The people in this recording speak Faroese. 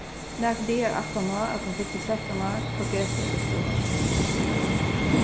nakrar dagar aftan á at hon fylti trettan fór greta úr skúlanum